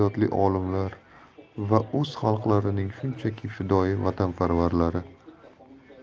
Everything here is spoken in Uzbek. olimlar va o'z xalqlarining shunchaki fidoyi vatanparvarlari